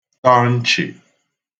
tọ nchị̀